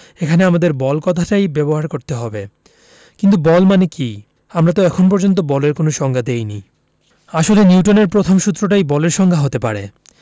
এখানে আমাদের বল কথাটাই ব্যবহার করতে হবে কিন্তু বল মানে কী আমরা তো এখন পর্যন্ত বলের কোনো সংজ্ঞা দিইনি আসলে নিউটনের প্রথম সূত্রটাই বলের সংজ্ঞা হতে পারে